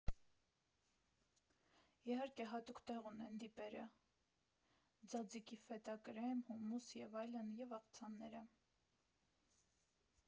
Իհարկե, հատուկ տեղ ունեն դիպերը (ձաձիկի, ֆետա կրեմ, հումուս և այլն) և աղցանները։